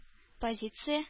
Позиция